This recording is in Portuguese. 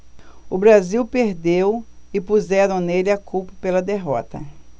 o brasil perdeu e puseram nele a culpa pela derrota